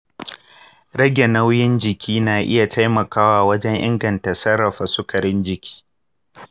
rage nauyin jiki na iya taimakawa wajen inganta sarrafa sukarin jini.